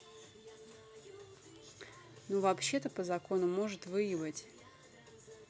ну вообще то по закону может выебать